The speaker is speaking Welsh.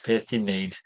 Peth ti'n wneud...